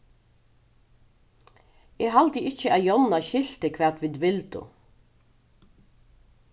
eg haldi ikki at jonna skilti hvat vit vildu